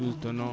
douze tonnes o